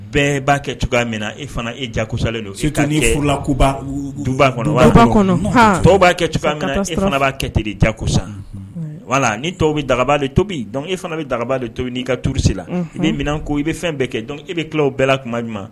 Bɛɛ b' kɛ cogoya min na e fana e jasalen don' furulakuba dunba kɔnɔ'a kɛ e fana'a kɛ ten jasa wala ni tɔw bɛ dagaba tobi dɔn e fana bɛ dagaba de to'i ka tuurusi la ni minɛn ko i bɛ fɛn bɛɛ kɛ dɔn i bɛ ki bɛɛ la tuma ɲuman